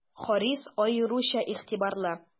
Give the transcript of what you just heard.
Харис аеруча игътибарлы.